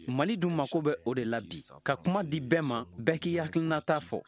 mali dun mago b'o de la bi ka kuma di bɛɛ ma bɛɛ k'i hakilinata fɔ